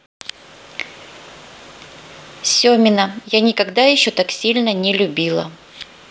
семина я никогда еще так сильно не любила